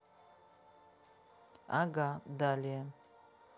ага далее